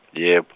yeb-.